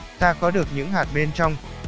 ta có được những hạt bên trong